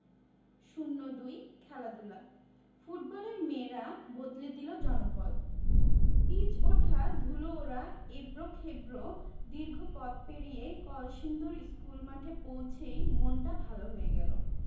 ০২ খেলাধুলা ফুটবলের মেয়েরা বদলে দিল জনপদ পিচ ওঠা ধুলো ওড়া এবড়োখেবড়ো দীর্ঘ পথ পেরিয়ে কলসিন্দুর স্কুলমাঠে পৌঁছেই মনটা ভালো হয়ে গেল